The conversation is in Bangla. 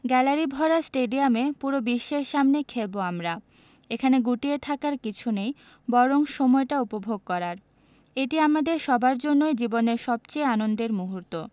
গ্যালারিভরা স্টেডিয়ামে পুরো বিশ্বের সামনে খেলব আমরা এখানে গুটিয়ে থাকার কিছু নেই বরং সময়টা উপভোগ করার এটি আমাদের সবার জন্যই জীবনের সবচেয়ে আনন্দের মুহূর্ত